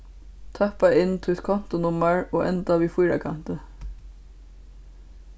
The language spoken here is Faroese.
tøppa inn títt kontunummar og enda við fýrakanti